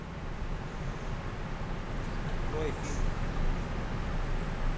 открой фильм